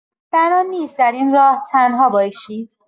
بنا نیست در این راه تنها باشید.